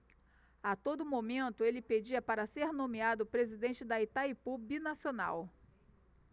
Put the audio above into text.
a todo momento ele pedia para ser nomeado presidente de itaipu binacional